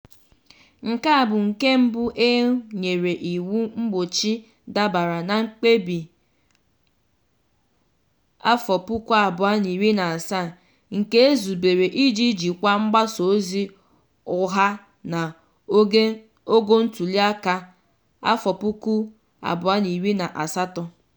Nke a bụ nke mbụ e nyere iwu mgbochi dabere na mkpebi 2017 nke e zubere iji jikwa mgbasa ozi ụgha n'oge ntuliaka 2018.